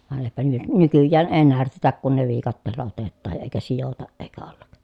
vain eipä - nykyään ei närtetä kun ne viikatteella otetaan ja eikä sidota eikä olla